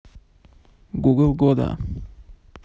google года